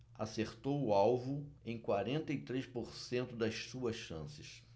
acertou o alvo em quarenta e três por cento das suas chances